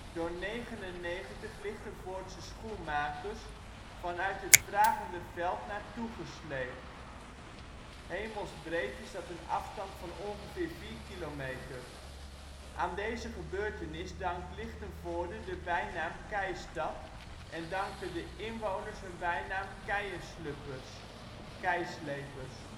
door 99 Lichtenvoordse schoenmakers vanuit het Vragenderveld naar toe gesleept. Hemelsbreed is dat een afstand van ongeveer vier kilometer. Aan deze gebeurtenis dankt Lichtenvoorde de bijnaam " Keistad " en danken de inwoners hun bijnaam " Keienslöppers " (Keislepers